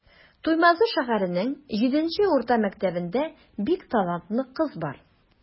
Туймазы шәһәренең 7 нче урта мәктәбендә бик талантлы кыз бар.